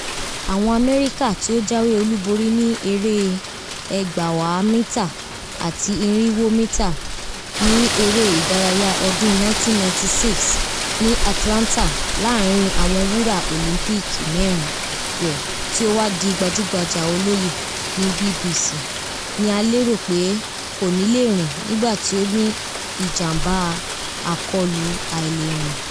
Awọn Amẹrika, ti o jawe olubori ni ere 200 mita ati 400 mita ni Ere Idaraya 1996 ni Atlanta laarin awọn wura Olympic mẹrin rẹ ti o wa di gbajugbaja oloye ni BBC, ni a lero pe koni le rin nigba ti o ni ijamba akọlu ailerin.